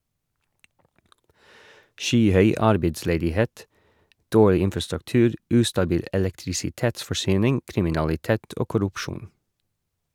Skyhøy arbeidsledighet, dårlig infrastruktur, ustabil elektrisitetsforsyning, kriminalitet og korrupsjon.